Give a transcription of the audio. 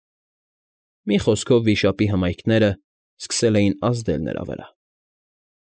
Մի խոսքով, վիշապի հմայքներն սկսել էին ազդել նրա վրա։